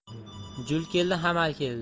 jul keldi hamal keldi